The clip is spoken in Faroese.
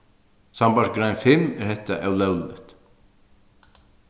sambært grein fimm er hetta ólógligt